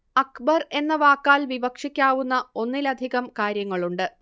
അക്ബർ എന്ന വാക്കാൽ വിവക്ഷിക്കാവുന്ന ഒന്നിലധികം കാര്യങ്ങളുണ്ട്